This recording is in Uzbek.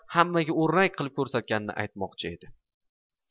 hammaga o'rnak qilib ko'rsatganini aytmoqchi edi